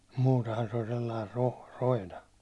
muutenhan se oli sellainen - roina